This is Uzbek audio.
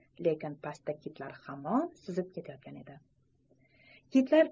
lekin pastda kitlar hamon suzib ketayotgan edi